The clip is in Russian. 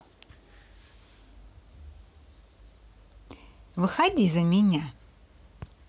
выходи за меня